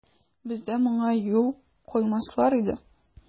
Бездә моңа юл куймаслар иде.